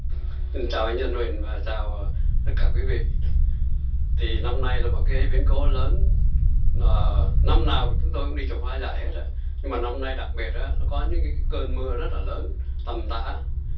mình chào anh nhật huỳnh và chào tất cả quý vị thì năm nay là một cái biến cố lớn ờ năm nào chúng tôi cũng đi chụp hoa dại hết á nhưng mà năm nay đặc biết á nó có những cái cái cơn mưa rất là lớn tầm tả